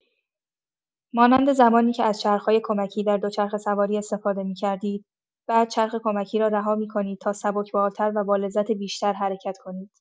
مانند زمانی که از چرخ‌های کمکی در دوچرخه‌سواری استفاده می‌کردید، بعد چرخ کمکی را رها می‌کنید تا سبک‌بال‌تر و با لذت بیشتر حرکت کنید.